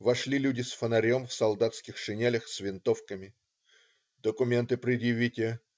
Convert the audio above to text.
Вошли люди с фонарем, в солдатских шинелях, с винтовками. "Документы предъявите.